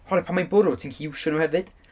Oherwydd pan mae'n bwrw, ti'n gallu iwsio nhw hefyd.